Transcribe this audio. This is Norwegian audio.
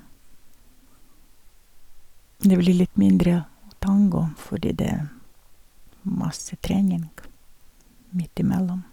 Det blir litt mindre tango, fordi det er masse trening midt imellom.